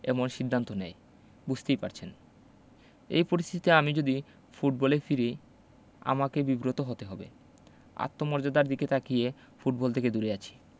এমন সিদ্ধান্ত নেয় বুঝতেই পারছেন এই পরিস্থিতিতে আমি যদি ফুটবলে ফিরি আমাকে বিব্রত হতে হবে আত্মমর্যাদার দিকে তাকিয়ে ফুটবল থেকে দূরে আছি